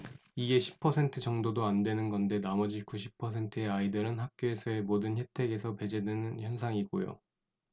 이게 십 퍼센트 정도도 안 되는 건데 나머지 구십 퍼센트의 아이들은 학교에서의 모든 혜택에서 배제되는 현상이고요